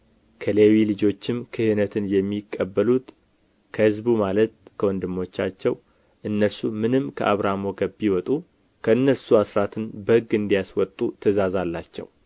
ከሌዊ ልጆችም ክህነትን የሚቀበሉት ከህዝቡ ማለት ከወንድሞቻቸው እነርሱ ምንም ከአብርሃም ወገብ ቢወጡ ከእነርሱ አሥራትን በሕግ እንዲያስወጡ ትእዛዝ አላቸው